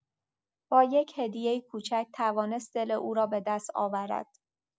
با یک هدیه کوچک، توانست دل او را به دست آورد.